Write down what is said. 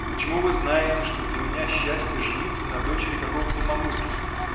— Почему вы знаете, что для меня счастье — жениться на дочери какого-то Мамыкина?